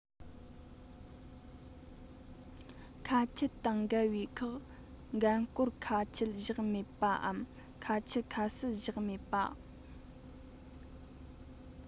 ཁ ཆད དང འགལ བའི ཁག འགན སྐོར ཁ ཆད བཞག མེད པའམ ཁ ཆད ཁ གསལ བཞག མེད པ